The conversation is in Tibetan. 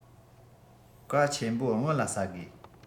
ཀྭ ཆེན པོ སྔོན ལ ཟ དགོས